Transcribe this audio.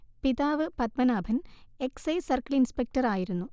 പിതാവ് Padmanabhan excise circle inspector ആയിരുന്നു